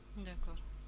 d' accord